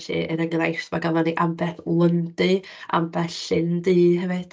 Felly, er enghraifft, mae ganddon ni ambell Lyndy, ambell Llyn Du hefyd.